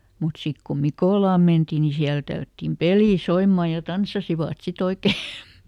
mutta sitten kun Mikolaan mentiin niin siellä tällättiin peli soimaan ja tanssasivat sitten oikein